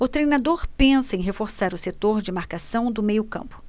o treinador pensa em reforçar o setor de marcação do meio campo